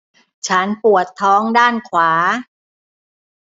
ฉันปวดท้องด้านขวา